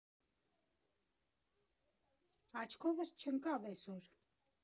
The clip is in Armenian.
Աչքովս չընկավ էսօր։